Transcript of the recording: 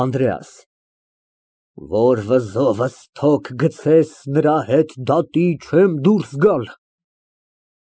ԱՆԴՐԵԱՍ ֊ Որ վզովս թոկ գցես, նրա հետ դատի չեմ դուրս գալ։